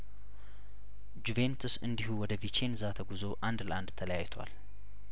ጁቬንትስ እንዲሁ ወደ ቪቼንዛ ተጉዞ አንድ ለአንድ ተለያይቷል